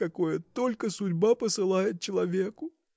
какое только судьба посылает человеку?